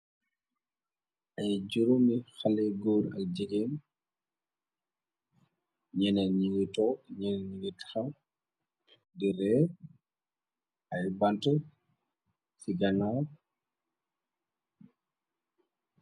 Ay jurómi xale góor ak jigéen ñena ñingi to ñena ñingi taxaw di rée ay bant ci ganaar.